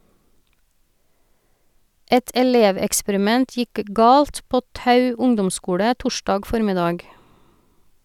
Et eleveksperiment gikk galt på Tau ungdomsskole torsdag formiddag.